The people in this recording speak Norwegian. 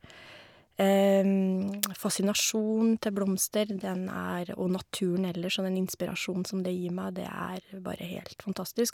Fascinasjonen til blomster den er og naturen ellers og den inspirasjonen som det gir meg, det er bare helt fantastisk.